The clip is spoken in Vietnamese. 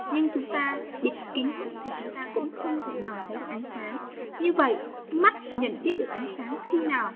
nhưng chúng ta địt cụ thì chúng ta cũng không thể nào thấy được ánh sáng như vậy mắt nhận biết được ánh sáng khi nào